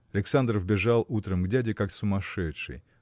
Александр вбежал утром к дяде как сумасшедший.